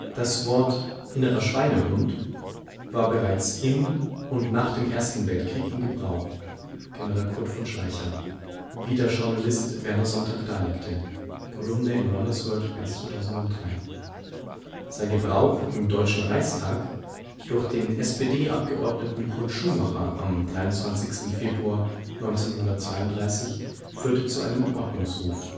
Das Wort ' innerer Schweinehund ' war bereits im und nach dem Ersten Weltkrieg im Gebrauch (General Kurt von Schleicher), wie der Journalist Werner Sonntag darlegte (Kolumne in „ RunnersWorld “, März 2003). Sein Gebrauch im deutschen Reichstag durch den SPD-Abgeordneten Kurt Schumacher am 23. Februar 1932 führte zu einem Ordnungsruf